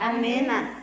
amiina